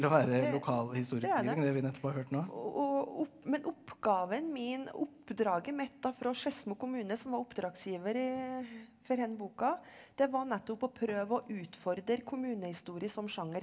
det det er det og men oppgaven min oppdraget mitt da fra Skedsmo kommune som var oppdragsgiver i for denne boka det var nettopp å prøve å utfordre kommunehistorie som sjanger.